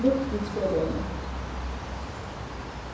luktfrítt skolievni